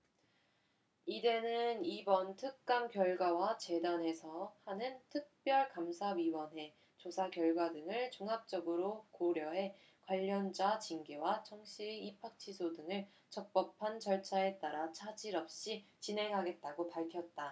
이대는 이번 특감 결과와 재단에서 하는 특별감사위원회 조사 결과 등을 종합적으로 고려해 관련자 징계와 정씨의 입학취소 등을 적법한 절차에 따라 차질 없이 진행하겠다고 밝혔다